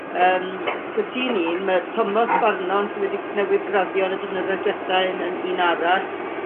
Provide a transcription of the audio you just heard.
Yym so ti'n un ma' Tomos Vernon sy'n wedi newydd graddio yn y blynyddoedd dwetha 'yn yn un arall.